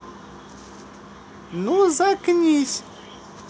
ну заткнись